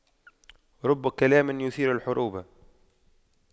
رب كلام يثير الحروب